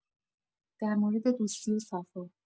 در مورد دوستی و صفا